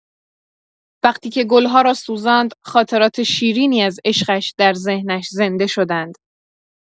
وقتی که گل‌ها را سوزاند، خاطرات شیرینی از عشقش در ذهنش زنده شدند.